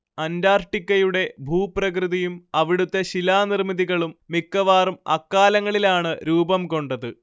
അന്റാർട്ടിക്കയുടെ ഭൂപ്രകൃതിയും അവിടുത്തെ ശിലാനിർമ്മിതികളും മിക്കവാറും അക്കാലങ്ങളിലാണ് രൂപം കൊണ്ടത്